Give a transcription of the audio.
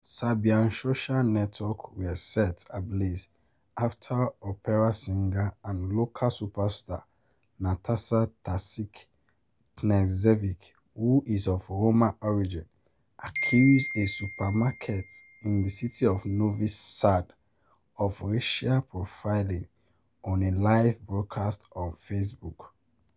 Serbian social networks were set ablaze after opera singer and local superstar Nataša Tasić Knežević, who is of Roma origin, accused a supermarket in the city of Novi Sad of racial profiling on a live broadcast on Facebook.